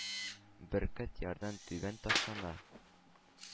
Бөркет ярдан түбән ташлана.